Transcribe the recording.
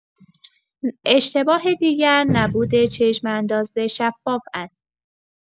اشتباه دیگر، نبود چشم‌انداز شفاف است.